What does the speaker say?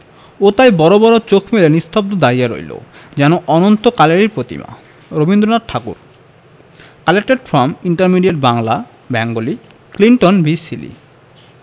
ও তাই বড় বড় চোখ মেলে নিস্তব্ধ দাঁড়িয়ে রইল যেন অনন্তকালেরই প্রতিমা Rabindranath Thakur collected from intermediate Bangla Bengali Clinton B Seely